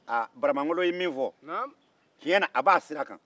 baramangolo ye min fɔ tiyɛn na a b'a sira kan